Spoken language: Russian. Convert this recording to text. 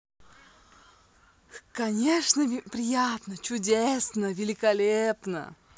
конечно приятно чудесно великолепно